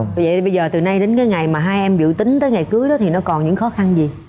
dậy bây giờ từ nay đến cái ngày mà hai em dự tính tới ngày cưới đó thì nó còn những khó khăn gì